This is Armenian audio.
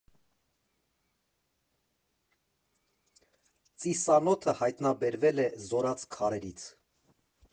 Ծիսանոթը հայտնաբերվել է Զորաց քարերից։